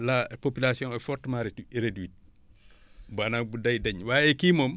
la population est fortement réduit réduite maanaam day dëñ waaye kii moom